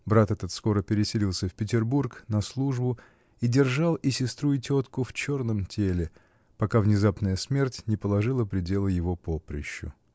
Брат этот скоро переселился в Петербург на службу и держал и сестру и тетку в черном теле, пока внезапная смерть не положила предела его поприщу.